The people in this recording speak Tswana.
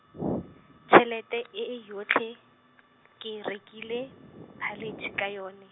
tshelete e e yotlhe, ke e rekile, phaletshe ka yone.